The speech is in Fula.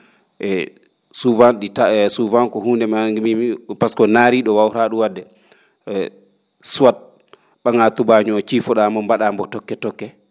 eyyi souvent ?i ta souvent ko hunnde ma bingi?e ko pasque ko naarii?o waawaraa ?um wa?de eyy soit ?a?aa tubaañoo oo ciifo?aa mbo mba?aa mbo tokke tokke